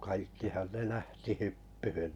kaikkihan ne lähti hyppyyn